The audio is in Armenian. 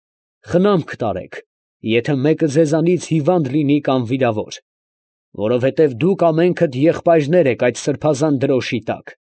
Խնամք տարեք, եթե մեկը ձեզանից հիվանդ լինի կամ վիրավոր, որովհետև դուք ամենքդ եղբայրներ եք այդ սրբազան դրոշի տակ»։